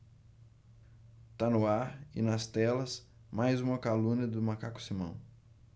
tá no ar e nas telas mais uma calúnia do macaco simão